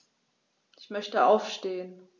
Ich möchte aufstehen.